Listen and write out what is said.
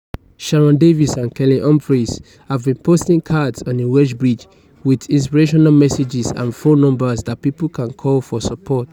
Sharon Davis and Kelly Humphreys have been posting cards on a Welsh bridge with inspirational messages and phone numbers that people can call for support.